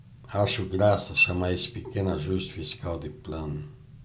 acho graça chamar esse pequeno ajuste fiscal de plano